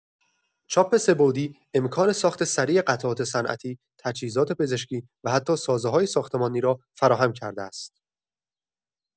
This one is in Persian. چاپ سه‌بعدی امکان ساخت سریع قطعات صنعتی، تجهیزات پزشکی و حتی سازه‌های ساختمانی را فراهم کرده است.